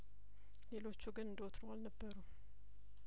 ሌሎቹ ግን እንደወትሮው አልነበሩም